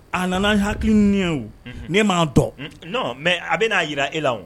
A nana hakili n n m'a dɔn mɛ a bɛ n'a jira e la